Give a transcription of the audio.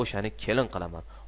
o'shani kelin qilaman